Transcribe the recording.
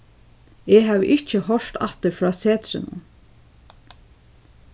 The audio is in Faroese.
eg havi ikki hoyrt aftur frá setrinum